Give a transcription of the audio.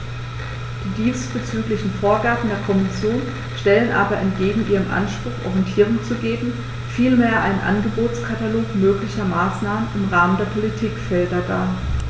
Die diesbezüglichen Vorgaben der Kommission stellen aber entgegen ihrem Anspruch, Orientierung zu geben, vielmehr einen Angebotskatalog möglicher Maßnahmen im Rahmen der Politikfelder dar.